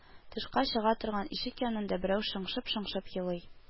Тышка чыга торган ишек янында берәү шыңшып-шыңшып елый